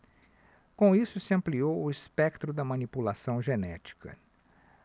com isso se ampliou o espectro da manipulação genética